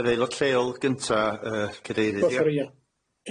Yy yr aelod lleol gynta yy cadeirydd, ia?